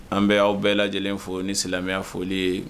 An bɛ aw bɛɛ lajɛlen fo ni silamɛya foli ye